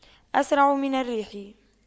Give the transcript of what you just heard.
أسرع من الريح